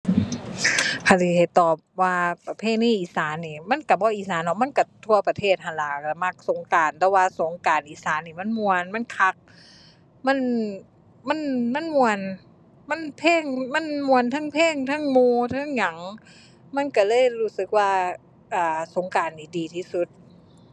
คันสิให้ตอบว่าประเพณีอีสานนี่ มันก็บ่อีสานดอก มันก็ทั่วประเทศหั้นล่ะ ก็มักสงกรานต์แต่ว่าสงกรานต์อีสานนี่มันม่วน มันคัก มัน มัน มันม่วน มันเพลง มันม่วนเทิงเพลง เทิงหมู่ เทิงหยัง มันก็เลยรู้สึกว่า อ่า สงกรานต์นี่ดีที่สุด